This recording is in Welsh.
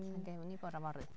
Llangefni bore fory.